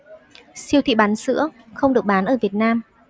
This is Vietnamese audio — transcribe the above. siêu thị bán sữa không được bán ở việt nam